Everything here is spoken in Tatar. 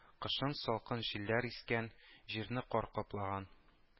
Кышын салкын җилләр искән, җирне кар каплаган